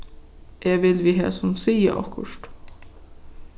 eg vil við hesum siga okkurt